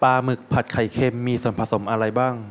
ปลาหมึกผัดไข่เค็มมีส่วนผสมอะไรบ้าง